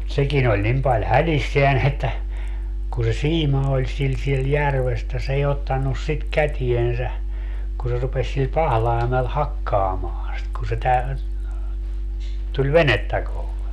mutta sekin oli niin paljon hädissään että kun se siima oli sillä siellä järvessä että se ei ottanut sitä käteensä kun se rupesi sillä pahlaimella hakkaamaan sitä kun se - tuli venettä kohden